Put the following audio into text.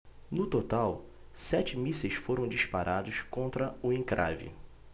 no total sete mísseis foram disparados contra o encrave